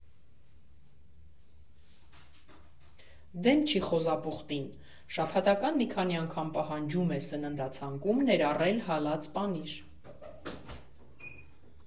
Դեմ չի խոզապուխտին, շաբաթական մի քանի անգամ պահանջում է սննդացանկում ներառել հալած պանիր։